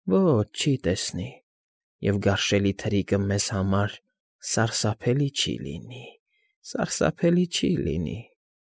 Ոչ, չի տեսնի և գարշ֊շ֊շելի թրիկը մեզ֊զ֊զ համար ս֊ս֊սարսափլի չի լինի, ս֊ս֊սարսափելի չի լինի։